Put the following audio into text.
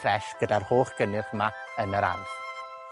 ffries gyda'r holl gynnyrch 'ma yn yr ardd.